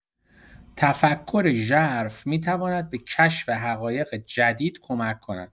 تفکر ژرف می‌تواند به کشف حقایق جدید کمک کند.